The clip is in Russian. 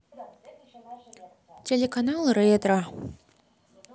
телеканал ретро